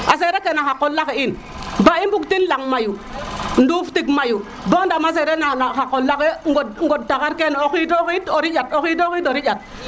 a sera ke na xa qola xe in ba i bug tin lang mayu nduf tig mayu bo ndama a sera nana na xa qola xe ŋod taxar kene o xido xid o riƴat o xido xid o riƴat